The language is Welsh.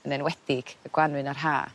Yn enwedig y Gwanwyn a'r Ha.